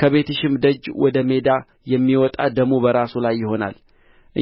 ከቤትሽም ደጅ ወደ ሜዳ የሚወጣ ደሙ በራሱ ላይ ይሆናል